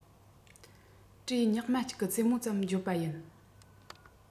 སྐྲའི ཉག མ གཅིག གི རྩེ མོ ཙམ བརྗོད པ ཡིན